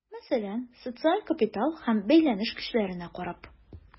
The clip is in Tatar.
Мәсәлән, социаль капитал һәм бәйләнеш көчләренә карап.